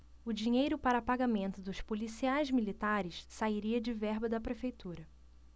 o dinheiro para pagamento dos policiais militares sairia de verba da prefeitura